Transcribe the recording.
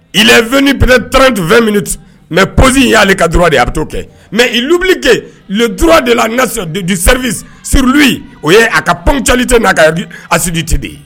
I 2ini pɛ tanran tun2 minɛ mɛ pɔsi y'aleli kaura de a bɛ taa'o kɛ mɛ ilubike turaura de la nri selu o ye a ka pancli tɛ n'a ka asidi tɛ de ye